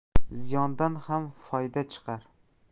ziyondan ham foyda chiqar